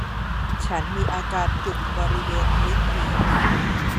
ฉันมีอาการจุกบริเวณลิ้นปี่